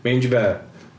Mangey bear